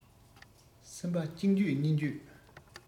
སེམས པ གཅིག འགྱོད གཉིས འགྱོད